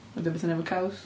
Ydy o 'wbeth i wneud efo caws?